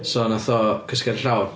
So wnaeth o cysgu ar y llawr.